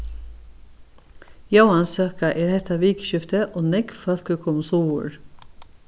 jóansøka er hetta vikuskiftið og nógv fólk er komið suður